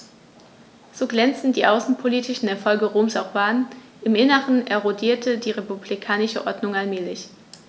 So glänzend die außenpolitischen Erfolge Roms auch waren: Im Inneren erodierte die republikanische Ordnung allmählich.